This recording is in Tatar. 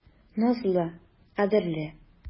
Назлы, кадерле.